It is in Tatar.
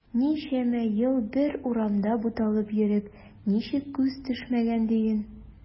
Ничәмә ел бер урамда буталып йөреп ничек күз төшмәгән диген.